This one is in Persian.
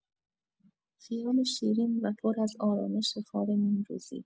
خیال شیرین و پر از آرامش خواب نیمروزی